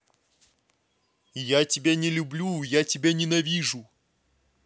я тебя люблю не люблю я тебя ненавижу